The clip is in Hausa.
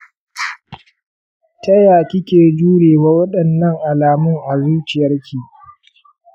tayaya kike jure wa wadannan alamun a zuciyarki?